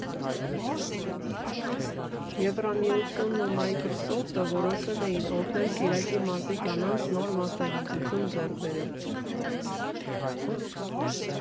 Եվրամիությունն ու Մայքրսոֆթը որոշել էին օգնել Շիրակի մարզի կանանց նոր մասնագիտություն ձեռք բերել։